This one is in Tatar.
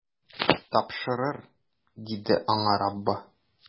Тапшырыр, - диде аңа Раббы.